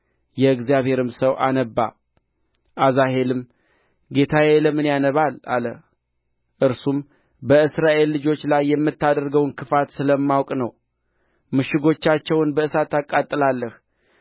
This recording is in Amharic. የእግዚአብሔርም ሰው አነባ አዛሄልም ጌታዬ ለምን ያነባል አለ እርሱም በእስራኤል ልጆች ላይ የምታደርገውን ክፋት ስለማውቅ ነው ምሽጎቻቸውን በእሳት ታቃጥላለህ